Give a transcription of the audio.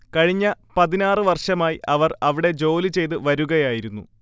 കഴിഞ്ഞ പതിനാറ് വർഷമായി അവർഅവിടെ ജോലി ചെയ്ത് വരുകയായിരുന്നു